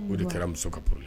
O de kɛra muso kap